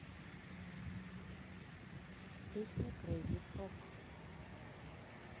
песня crazy frog